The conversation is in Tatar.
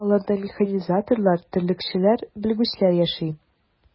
Аларда механизаторлар, терлекчеләр, белгечләр яши.